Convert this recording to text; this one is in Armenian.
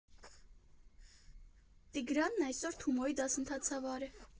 Տիգրանն այսօր Թումոյի դասընթացավար է։